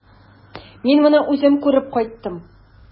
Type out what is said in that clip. Мин моны үзем күреп кайттым.